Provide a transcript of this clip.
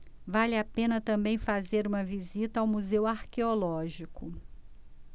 vale a pena também fazer uma visita ao museu arqueológico